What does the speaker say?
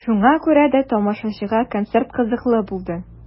Шуңа күрә дә тамашачыга концерт кызыклы булды.